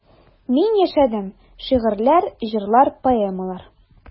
Мин яшәдем: шигырьләр, җырлар, поэмалар.